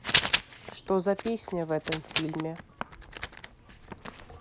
что за песня в этом фильме